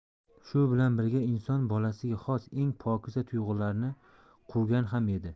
shu bilan birga inson bolasiga xos eng pokiza tuyg'ularni quvgan ham edi